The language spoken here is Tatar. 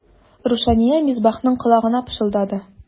Рушания Мисбахның колагына пышылдады.